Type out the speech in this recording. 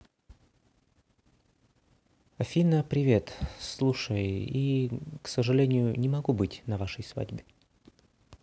афина привет слушай и к сожалению не могу быть на вашей свадьбе